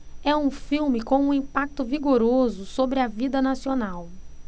é um filme com um impacto vigoroso sobre a vida nacional